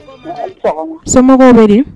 . A ni Sɔgɔma! Somɔgɔw bɛ di?